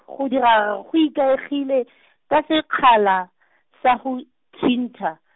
go dira R, go ikaegile , ka sekgala , sa go, thintha.